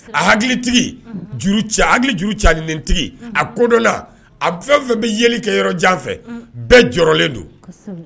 A hakilitigi juru ca nitigi a ko dɔ la a fɛn fɛn bɛ yeli kɛ yɔrɔ jan fɛ bɛɛ jɔlen don